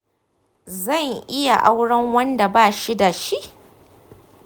zan iya auren wanda bashi da shi?